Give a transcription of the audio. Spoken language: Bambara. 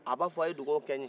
a b'a fɔ a ye dugawu kɛ n ye